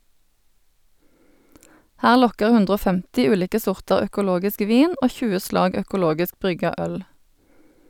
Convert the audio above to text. Her lokkar 150 ulike sortar økologisk vin og 20 slag økologisk brygga øl.